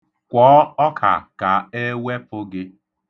Kwọọ ọka ka e wepụ gị.